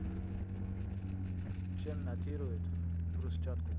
чем натирают брусчатку